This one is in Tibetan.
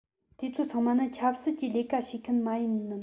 དེ ཚོ ཚང མ ནི ཆབ སྲིད ཀྱི ལས ཀ བྱེད མཁན མ ཡིན ནམ